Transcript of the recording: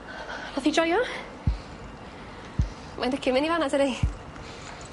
Nath 'i joio? Mae'n licio myn' i fan 'na tydi?